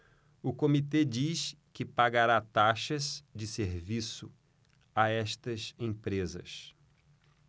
o comitê diz que pagará taxas de serviço a estas empresas